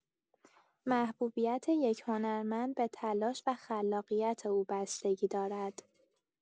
محبوبیت یک هنرمند به تلاش و خلاقیت او بستگی دارد.